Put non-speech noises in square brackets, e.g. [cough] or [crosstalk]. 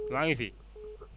[noise] maa ngi fi